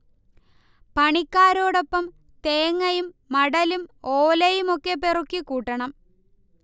പണിക്കാരോടൊപ്പം തേങ്ങയും മടലും ഓലയും ഒക്കെ പെറുക്കി കൂട്ടണം